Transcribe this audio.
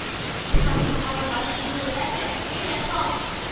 Фабрикага баргач, юылыр әле, әйдә сал!..-